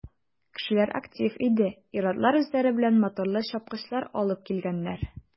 Кешеләр актив иде, ир-атлар үзләре белән моторлы чапкычлар алыпн килгәннәр.